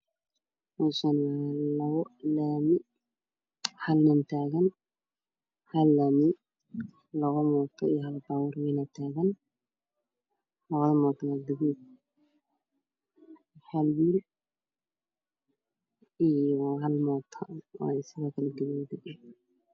Meshan waa lami waxa tagan nin io moto bajaaj io babuur labada moto waa gaduud hal wil io hal moto oo gadud ah